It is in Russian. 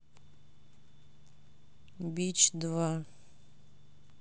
бич два